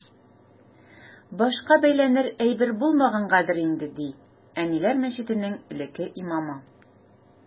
Башка бәйләнер әйбер булмагангадыр инде, ди “Әниләр” мәчетенең элекке имамы.